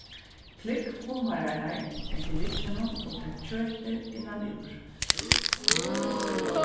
klúgv hummararnar eftir rygginum og tak kjøtið innanúr